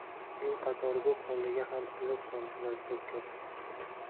el qatori bu hovliga ham iliq tomchilar purkab o'tdi